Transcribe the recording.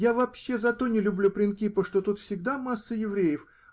Я вообще за то не люблю Принкипо, что тут всегда масса евреев.